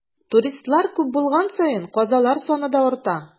Туристлар күп булган саен, казалар саны да арта.